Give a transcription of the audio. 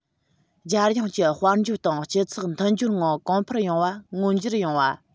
རྒྱལ ཡོངས ཀྱི དཔལ འབྱོར དང སྤྱི ཚོགས མཐུན སྦྱོར ངང གོང འཕེལ ཡོང བ མངོན གྱུར ཡོང བ